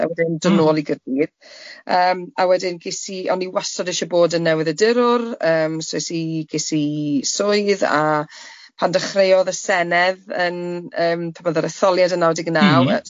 a wedyn dod nôl i Gardydd yym a wedyn ges i, o'n i wastad eisiau bod yn newyddiadurwr yym so es i ges i swydd a pan dechreuodd y Senedd yn yym pan oedd yr etholiad yn naw deg naw... M-hm.